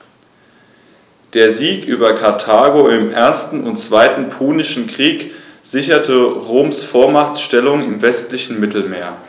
Der Sieg über Karthago im 1. und 2. Punischen Krieg sicherte Roms Vormachtstellung im westlichen Mittelmeer.